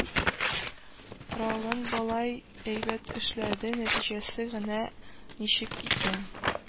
Ралың болай әйбәт эшләде, нәтиҗәсе генә ничек икән